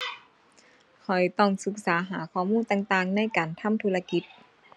ข้อยต้องศึกษาหาข้อมูลต่างต่างในการทำธุรกิจ